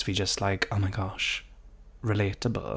Fi jyst like, oh my gosh, relatable.